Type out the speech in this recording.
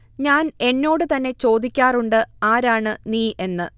ഞാൻ എന്നോട് തന്നെ ചോദിക്കാറുണ്ട് ആരാണ് നീഎന്ന്